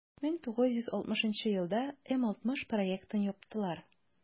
1960 елда м-60 проектын яптылар.